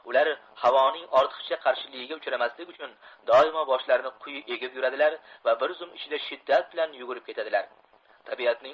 ular havoning ortiqcha qarshiligiga uchramaslik uchun dolmo boshlarini quyi egib yuradilar va bir zum ichida shiddat bilan yugurib ketadilar